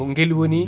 ko guel woni